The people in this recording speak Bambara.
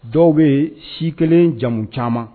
Dɔw bɛ si kelen jamu caman